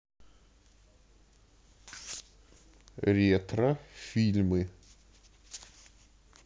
ретро фильмы